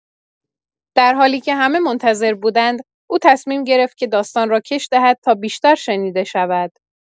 در حالی که همه منتظر بودند، او تصمیم گرفت که داستان را کش دهد تا بیشتر شنیده شود.